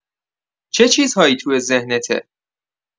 چه چیزهایی توی ذهنته؟